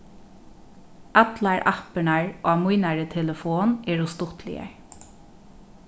allar appirnar á mínari telefon eru stuttligar